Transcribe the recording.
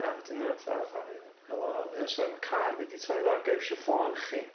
A wedyn mae o fatha "o iawn helo yy sori ma' car fi 'di torri lawr ga i iwsio ffôn chi?"